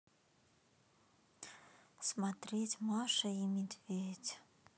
смотреть маша и медведи